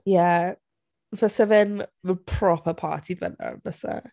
Ie fyse fe'n f- proper party fan'na yn byse?